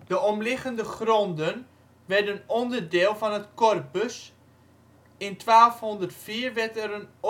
omliggende gronden werden onderdeel van het corpus (kloostergronden). In 1204 werd er een oratorium